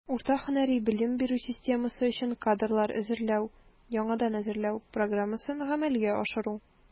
Урта һөнәри белем бирү системасы өчен кадрлар әзерләү (яңадан әзерләү) программасын гамәлгә ашыру.